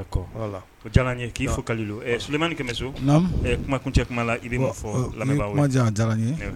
K'i fo ka somani kɛmɛ so kumakun cɛ kuma la i'a fɔ lamɛn